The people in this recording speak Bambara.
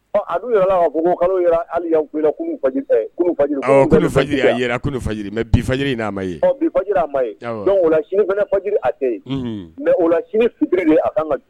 Yalajifaj mafa a olaji a mɛ o la sini a